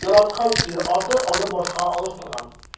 Яраткан ир-аты аны башкага алыштырган.